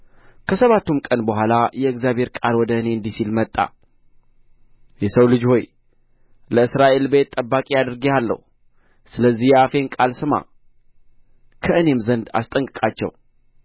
ከሰባቱም ቀን በኋላ የእግዚአብሔር ቃል ወደ እኔ እንዲህ ሲል መጣ የሰው ልጅ ሆይ ለእስራኤል ቤት ጠባቂ አድርጌሃለሁ ስለዚህ የአፌን ቃል ስማ ከእኔም ዘንድ አስጠንቅቃቸው